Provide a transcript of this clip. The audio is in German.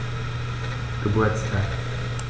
Geburtstag